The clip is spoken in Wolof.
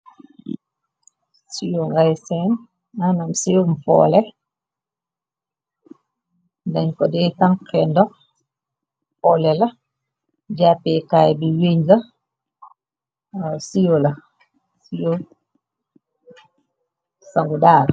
Siwo ngay seen, manam siwo foole, dañu ko dey tanxee ndox, foole la, jàppekaay bi wëñg la, siwo la, siwo sangu daal.